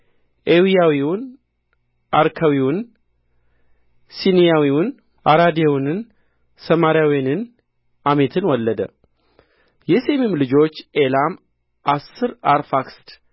ኤዊያዊውን ዐርካዊውን ሲኒያዊውን አራዴዎንን ሰማሪዎንን አማቲን ወለደ የሴምም ልጆች ኤላም አሦር አርፋክስድ